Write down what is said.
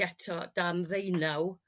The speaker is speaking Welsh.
eto da ddeunaw